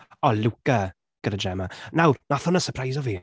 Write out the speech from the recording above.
O, Luca gyda Gemma. Nawr, wnaeth hwnna sypreisio fi.